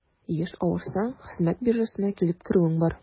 Еш авырсаң, хезмәт биржасына килеп керүең бар.